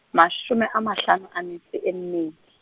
mashome a mahlano a metsho e mmedi.